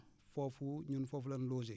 foofu ñun foofu la ñu logé